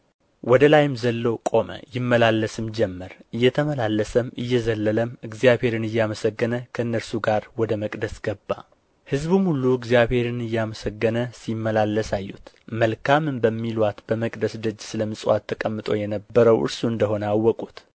ወደ ላይ ዘሎም ቆመ ይመላለስም ጀመር እየተመላለሰም እየዘለለም እግዚአብሔርንም እያመሰገነ ከእነርሱ ጋር ወደ መቅደስ ገባ ሕዝቡም ሁሉ እግዚአብሔርን እያመሰገነ ሲመላለስ አዩት መልካምም በሚሉአት በመቅደስ ደጅ ስለ ምጽዋት ተቀምጦ የነበረው እርሱ እንደ ሆነ አወቁት